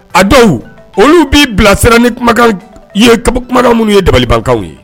A dɔw olu b'i bilasira ni kumaw ye kuma minnu ye dabalibanw ye